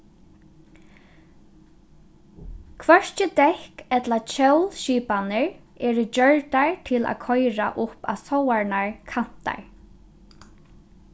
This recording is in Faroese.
hvørki dekk ella hjólskipanir eru gjørdar til at koyra upp á sovorðnar kantar